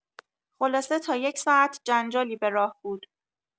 خلاصه تا یک ساعت جنجالی به راه بود.